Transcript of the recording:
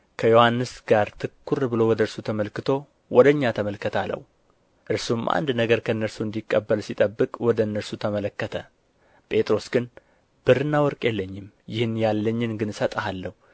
ከዮሐንስ ጋር ትኵር ብሎ ወደ እርሱ ተመልክቶ ወደ እኛ ተመልከት አለው እርሱም አንድ ነገር ከእነርሱ እንዲቀበል ሲጠብቅ ወደ እነርሱ ተመለከተ ጴጥሮስ ግን ብርና ወርቅ የለኝም ይህን ያለኝን ግን እሰጥሃለሁ